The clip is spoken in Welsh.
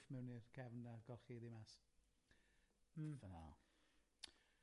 mynydd cefn a coffi ddi mas. .